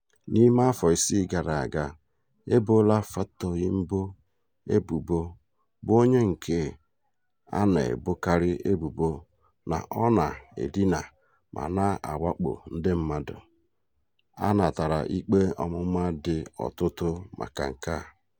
N'ime afọ isii gara aga, e boola Fatoyinbo ebubo, bụ onye nke a na-ebokarị ebubo na ọ na-edina ma na-awakpo ndị mmadụ, a natara ikpe ọmụma dị ọtụtụ maka nke a.